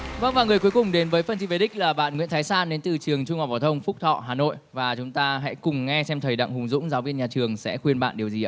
vâng và người cuối cùng đến với phần thi về đích là bạn nguyễn thái san đến từ trường trung học phổ thông phúc thọ hà nội và chúng ta hãy cùng nghe xem thầy đặng hùng dũng giáo viên nhà trường sẽ khuyên bạn điều gì ạ